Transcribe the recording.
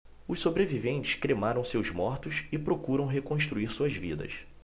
os sobreviventes cremaram seus mortos e procuram reconstruir suas vidas